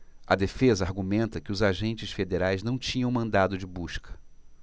a defesa argumenta que os agentes federais não tinham mandado de busca